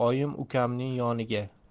oyim ukamning yoniga